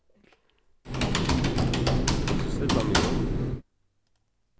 kanst tú stilla meg um